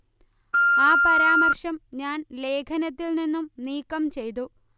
ആ പരാമർശം ഞാൻ ലേഖനത്തിൽ നിന്നും നീക്കം ചെയ്തു